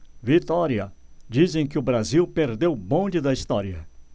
vitória dizem que o brasil perdeu o bonde da história